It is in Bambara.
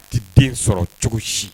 A tɛ den sɔrɔ cogo si